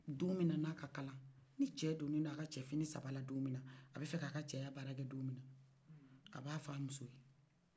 dominan n'a ka kalan ni cɛ doneno a ka cɛfini sabala domina a b'a fɛ k'a ka cɛya bara kɛ domina a b'a fo a ka muso ye